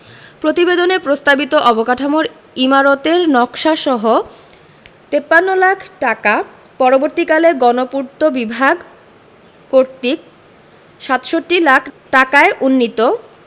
প্রতিবেদনে প্রস্তাবিত অবকাঠামোর ইমারতের নকশাসহ ৫৩ লাখ টাকা পরবর্তীকালে গণপূর্ত বিভাগ কর্তৃক ৬৭ লাখ ঢাকায় উন্নীত